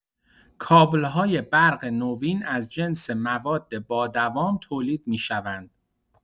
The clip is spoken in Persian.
کابل‌های برق نوین از جنس مواد بادوام تولید می‌شوند.